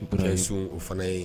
Sun o fana ye